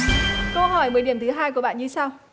câu hỏi mười điểm thứ hai của bạn như sau